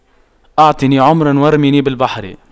اعطني عمرا وارميني بالبحر